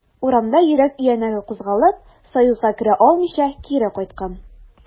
Урамда йөрәк өянәге кузгалып, союзга керә алмыйча, кире кайткан.